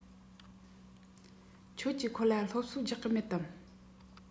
ཁྱོད ཀྱིས ཁོ ལ སློབ གསོ རྒྱག གི མེད དམ